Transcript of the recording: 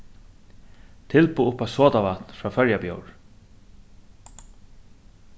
tilboð upp á sodavatn frá føroya bjór